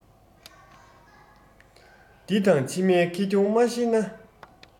འདི དང ཕྱི མའི ཁེ གྱོང མ ཤེས ན